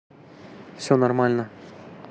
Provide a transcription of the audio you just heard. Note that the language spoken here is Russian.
все нормально